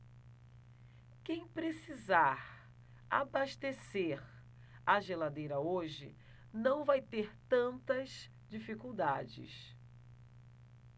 quem precisar abastecer a geladeira hoje não vai ter tantas dificuldades